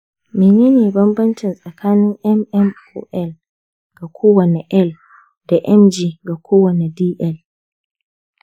mene ne bambanci tsakanin mmol ga kowane l da mg ga kowane dl?